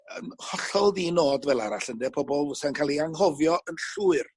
yym hollol ddi nod fel arall ynde pobol wasa'n ca'l 'u anghofio yn llwyr.